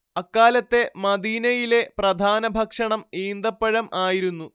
അക്കാലത്തെ മദീനയിലെ പ്രധാന ഭക്ഷണം ഈന്തപ്പഴം ആയിരുന്നു